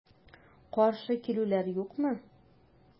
Каршы килүләр юкмы?